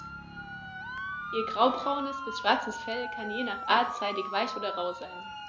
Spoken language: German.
Ihr graubraunes bis schwarzes Fell kann je nach Art seidig-weich oder rau sein.